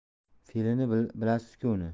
fe'lini bilasizku uni